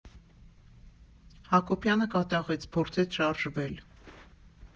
Հակոբյանը կատաղեց, փորձեց շարժվել։